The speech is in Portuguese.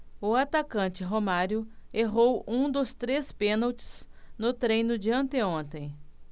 o atacante romário errou um dos três pênaltis no treino de anteontem